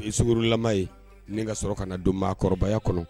O ye i sungurulaman ye, ni ka sɔrɔ ka na don maakɔrɔbaya kɔnɔ.